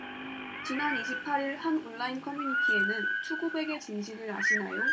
지난 이십 팔 일 한 온라인 커뮤니티에는 투고백의 진실을 아시나요